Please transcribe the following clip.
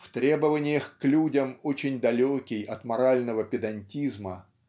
В требованиях к людям очень далекий от морального педантизма